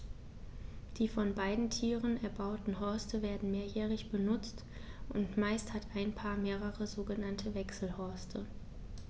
Die von beiden Tieren erbauten Horste werden mehrjährig benutzt, und meist hat ein Paar mehrere sogenannte Wechselhorste.